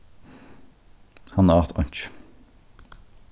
hann át einki